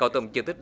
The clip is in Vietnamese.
có tổng diện tích